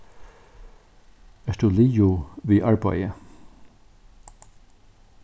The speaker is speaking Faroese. ert tú liðug við arbeiðið